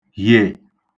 -hìè